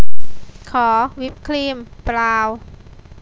ขอวิปครีมเปล่า